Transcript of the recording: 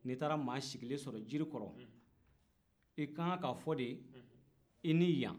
n'i taa maa sigilen sɔrɔ jiri kɔrɔ i ka kan k'a fɔ de i ni yan